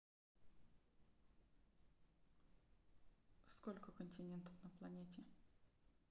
сколько континентов на планете